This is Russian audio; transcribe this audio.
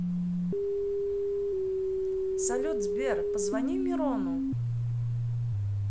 салют сбер позвони мирону